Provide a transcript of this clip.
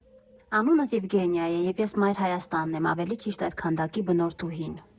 Անունս Եվգենիա է, և ես Մայր Հայաստանն եմ, ավելի ճիշտ այդ քանդակի բնորդուհին։